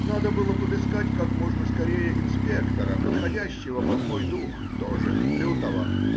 Надо было подыскать как можно скорее инспектора, подходящего под мой дух,— тоже лютого